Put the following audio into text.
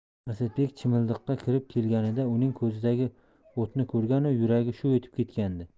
asadbek chimildiqqa kirib kelganida uning ko'zidagi o'tni ko'rganu yuragi shuv etib ketgandi